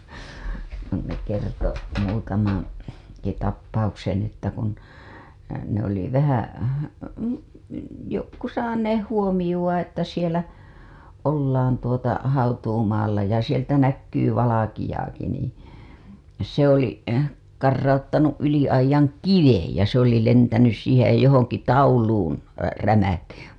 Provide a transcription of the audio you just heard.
ne kertoi - muutamankin tapauksen että kun ne oli vähän jotkut saaneet huomiota että siellä ollaan tuota hautuumaalla ja sieltä näkyy valkeaakin niin se oli karauttanut yli aidan kiven ja se oli lentänyt siihen ja johonkin tauluun rämähti